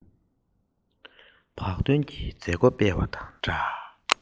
བག སྟོན གྱི མཛད སྒོ སྤེལ བ དང འདྲ